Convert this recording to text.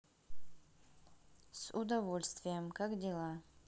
с удовольствием как дела